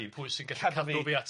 Ie pwy sy'n gallu cadw fi atab.